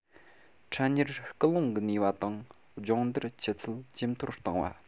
འཕྲལ མྱུར སྐུལ སློང གི ནུས པ དང སྦྱོང བརྡར ཆུ ཚད ཇེ མཐོར བཏང བ